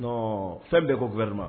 Don fɛn bɛ ko nbarima